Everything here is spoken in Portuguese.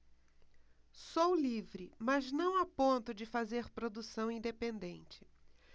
sou livre mas não a ponto de fazer produção independente